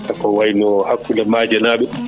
eko wayno hakkude maaje naɓe